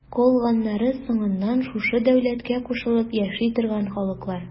Калганнары соңыннан шушы дәүләткә кушылып яши торган халыклар.